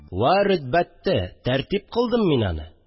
«вә рөтбәттә» тәртип кылдым мин аны,